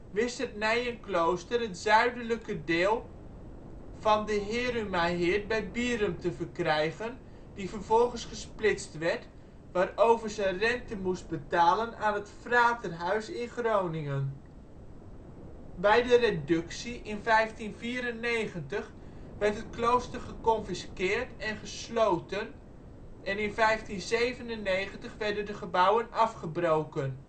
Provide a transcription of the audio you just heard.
wist het Nijenklooster het zuidelijke deel van de Herumaheerd bij Bierum te verkrijgen (die vervolgens gesplitst werd), waarover ze rente moest betalen aan het Fraterhuis in Groningen. Bij de reductie in 1594 werd het klooster geconfisqueerd en gesloten en in 1597 werden de gebouwen afgebroken